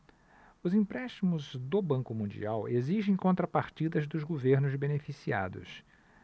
os empréstimos do banco mundial exigem contrapartidas dos governos beneficiados